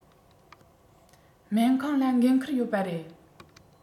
སྨན ཁང ལ འགན ཁུར ཡོད པ རེད